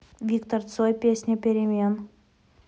виктор цой песня перемен